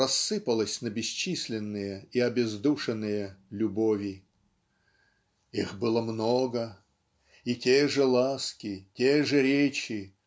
рассыпалась на бесчисленные и обездушенные любви "их было много. и те же ласки те же речи